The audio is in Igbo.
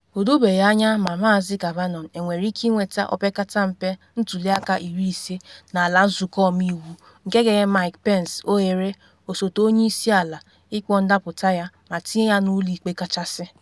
O dobeghi anya ma Maazị Kavanaugh enwere ike ịnweta opekata mpe ntuli aka 50 n’ala Nzụkọ Ọmeiwu, nke ga-enye Mike Pence ohere, osote onye isi ala, ịkpọ ndapụta ya ma tinye ya na Ụlọ Ikpe Kachasị.